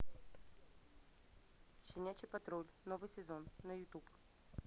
щенячий патруль новый сезон на ютуб